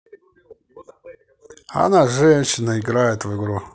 одна женщина играет в игру